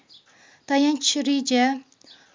tayanch reja